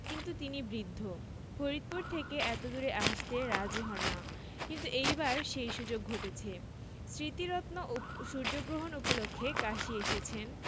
কিন্তু তিনি বৃদ্ধ ফরিদপুর থেকে এতদূরে আসতে রাজী হন না কিন্তু এইবার সেই সুযোগ ঘটেছে স্মৃতিরত্ন সূর্যগ্রহণ উপলক্ষে কাশী এসেছেন